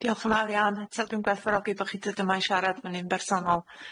Diolch yn fawr iawn eto dwi'n gwerthfawrogi bo' chi dod yma i siarad efo ni'n bersonol.